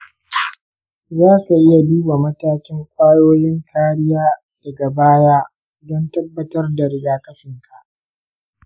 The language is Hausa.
za ka iya duba matakin ƙwayoyin kariya daga baya don tabbatar da rigakafinka.